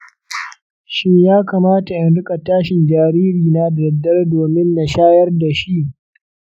shin ya kamata in riƙa tashin jaririna da daddare domin na shayar da shi?